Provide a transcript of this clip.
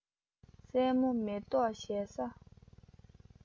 སྲས མོ མེ ཏོག བཞད ས